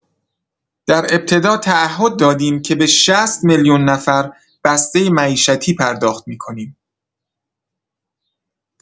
در ابتدا تعهد دادیم که به ۶۰ میلیون نفر بسته معیشتی پرداخت می‌کنیم.